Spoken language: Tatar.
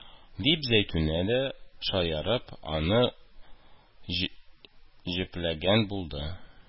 Дип, зәйтүнә дә шаяртып аны җөпләгән булды